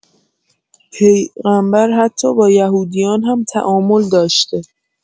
پیغمبر حتی با یهودیان هم تعامل داشته.